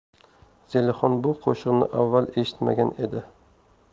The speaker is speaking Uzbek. zelixon bu qo'shiqni avval eshitmagan edi